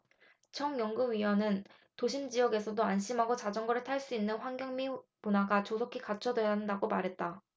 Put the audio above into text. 정 연구위원은 도심지역에서도 안심하고 자전거를 탈 수 있는 환경 및 문화가 조속히 갖춰줘야 한다라고 말했다